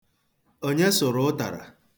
Onye sụrụ ụtara?